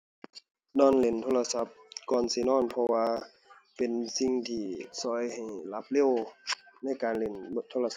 นอนเล่นโทรศัพท์ก่อนสินอน เพราะว่าเป็นสิ่งที่ช่วยให้หลับเร็ว ในการเล่นโทรศัพท์